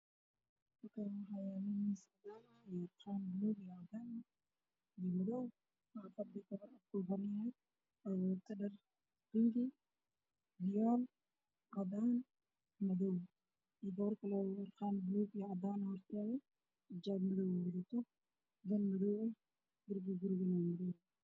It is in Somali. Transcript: Meeshaan waa meesha dharka lagu talo waxaa fadhiya lala gabdhood oo wata mid xijaab madow ah midda kalena xijaab guduud ah